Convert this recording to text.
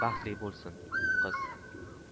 baxtli bo'lsin qiz